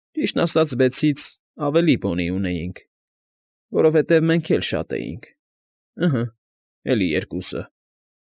Ճիշտն ասած վեցից ավելի պոնի ունեինք, որովհետև մենք էլ շատ էինք… Ըհը՜, էլի երկուսը։